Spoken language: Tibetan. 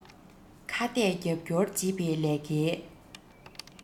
ཁ གཏད རྒྱབ སྐྱོར བྱེད པའི ལས ཀའི